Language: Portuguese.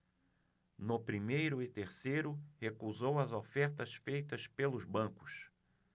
no primeiro e terceiro recusou as ofertas feitas pelos bancos